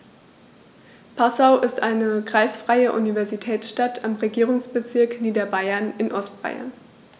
Passau ist eine kreisfreie Universitätsstadt im Regierungsbezirk Niederbayern in Ostbayern.